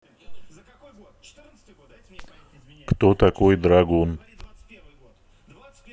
кто такой драгун